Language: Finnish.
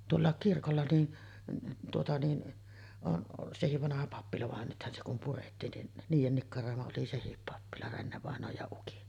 tuolla kirkolla niin tuota niin on sekin vanha pappila vaan nythän se kun purettiin niin niiden nikkaroima oli sekin pappila Renne-vainajan ja ukin